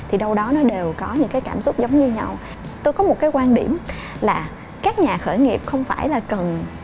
thì đâu đó nó đều có những cái cảm xúc giống như nhau tôi có một cái quan điểm là các nhà khởi nghiệp không phải là cần